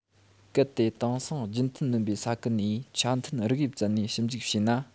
གལ ཏེ དེང སང རྒྱུན མཐུད མིན པའི ས ཁུལ ནས ཆ མཐུན རིགས དབྱིབས བཙལ ནས ཞིབ འཇུག བྱས ན